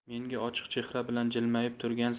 menga ochiq chehra bilan jilmayib turgan